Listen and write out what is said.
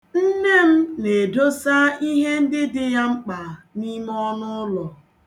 Nne m na edosa ihe ndị dị ya mkpa n'ime ọnụụlọ.